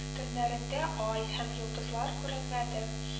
Төннәрендә ай һәм йолдызлар күренмәде